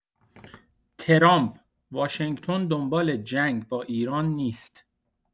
ترامپ: واشنگتن دنبال جنگ با ایران نیست.